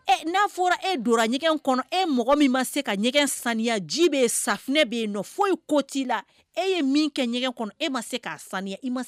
N'a fɔra e do ɲɛgɛn kɔnɔ e mɔgɔ min ma se ka ɲɛgɛn saniya ji bɛ saunɛinɛ bɛ yen foyi ko t'i la e ye min kɛ ɲɛgɛn kɔnɔ e ma se ka